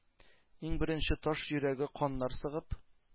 Иң беренче таш йөрәге каннар сыгып,